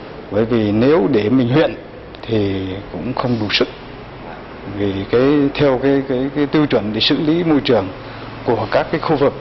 bởi vì nếu để mình huyện thì cũng không đủ sức vì cái theo cái cái cái tư tưởng để xử lý môi trường của các khu vực